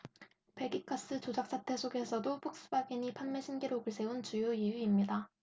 배기가스 조작사태 속에서도 폭스바겐이 판매 신기록을 세운 주요 이유입니다